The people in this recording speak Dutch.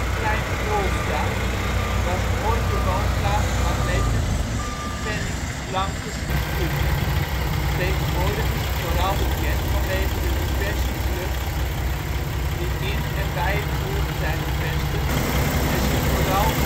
Klein-Ulsda was ooit de woonplaats van atlete Fanny Blankers-Koen. Tegenwoordig is het vooral bekend vanwege de diverse (seks) clubs die in en bij het gehucht zijn gevestigd en zich vooral